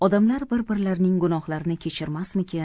odamlar bir birlarining gunohlarini kechirmasmikin